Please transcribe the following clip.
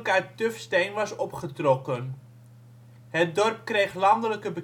uit tufsteen was opgetrokken. Het dorp kreeg landelijke